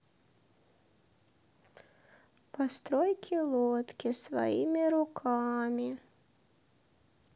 постройки лодки своими руками